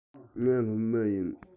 ང སློབ མ ཡིན